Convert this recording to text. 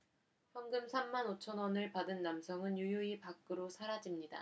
현금 삼 만 오 천 원을 받은 남성은 유유히 밖으로 사라집니다